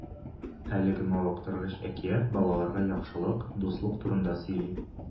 Әлеге мавыктыргыч әкият балаларга яхшылык, дуслык турында сөйли.